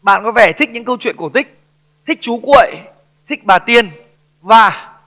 bạn có vẻ thích những câu chuyện cổ tích thích chú cuội thích bà tiên và